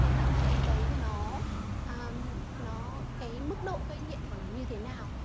cái loại ma túy ấy cái mức độ gây nghiện của nó như thế nào